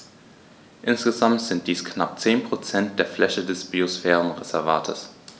Insgesamt sind dies knapp 10 % der Fläche des Biosphärenreservates.